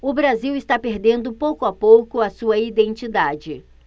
o brasil está perdendo pouco a pouco a sua identidade